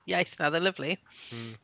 iaith 'na. Oedd e'n lyfli. ... M-hm.